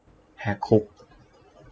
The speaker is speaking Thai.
แหกคุก